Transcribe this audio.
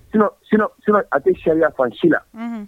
Sinon sinon A tɛ sariya fan si la